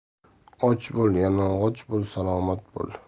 och bo'l yalang'och bo'l salomat bo'l